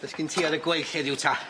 Beth sgin ti ar y gweill heddiw ta?